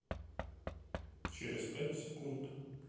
через пять секунд